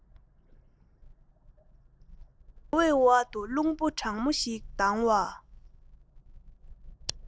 ཉི འོད འོག ཏུ རླུང བུ གྲང མོ ཞིག ལྡང བ